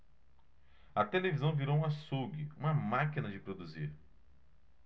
a televisão virou um açougue uma máquina de produzir